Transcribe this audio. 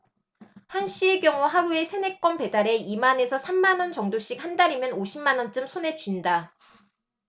한씨의 경우 하루에 세 네 건 배달해 이 만 에서 삼 만원 정도씩 한 달이면 오십 만원쯤 손에 쥔다